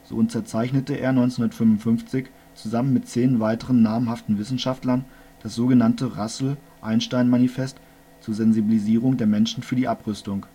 unterzeichnete er 1955 zusammen mit zehn weiteren namhaften Wissenschaftlern das so genannte Russell-Einstein-Manifest zur Sensibilisierung der Menschen für die Abrüstung